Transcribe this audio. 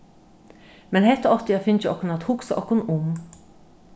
men hetta átti at fingið okkum at hugsað okkum um